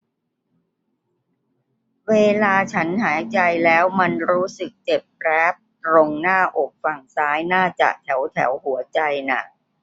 เวลาฉันหายใจแล้วมันรู้สึกเจ็บแปล๊บตรงหน้าอกฝั่งซ้ายน่าจะแถวแถวหัวใจน่ะ